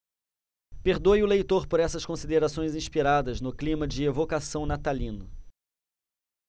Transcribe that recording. perdoe o leitor por essas considerações inspiradas no clima de evocação natalino